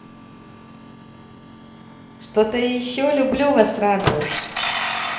что то еще люблю вас радовать